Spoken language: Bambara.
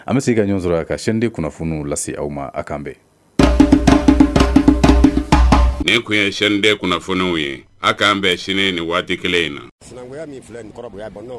An bɛ se ka ɲɔ sɔrɔ a kayɛnenden kunnafoniw lase aw ma a kan bɛɛ nin tun ye sɛden kunnafoniw ye a k'an bɛn sini ni waati kelen in na